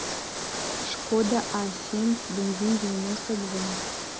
шкода а семь бензин девяносто два